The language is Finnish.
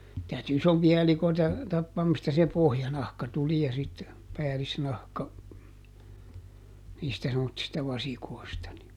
täytyi isompia elikoita tappaa mistä se pohjanahka tuli ja sitten päällisnahka niistä semmoisista vasikoista niin